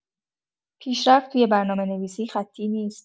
پیشرفت توی برنامه‌نویسی خطی نیست.